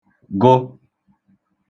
gụ